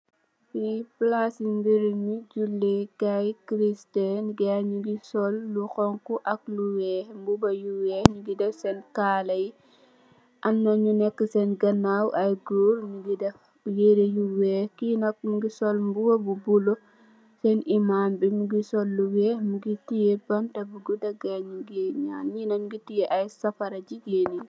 Li palsi gourmet yela gayi njugi sol lu xonxu ak lu wex mbuba yu wex njugi def sen kala yi amna njul neka sen genaw ay Goor def yare yu wex ki nak mugi sol mbuba bu bula sen imam mu sol lu wex mugi tiyea banta bugouda gayi njuge jaan njinak njugi teya aye safara gigeyi